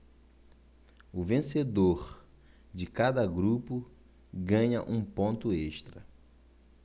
o vencedor de cada grupo ganha um ponto extra